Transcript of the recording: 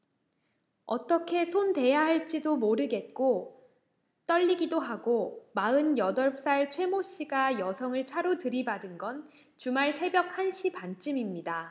어떻게 손대야 할지도 모르겠고 떨리기도 하고 마흔 여덟 살 최 모 씨가 여성을 차로 들이받은 건 주말 새벽 한 시 반쯤입니다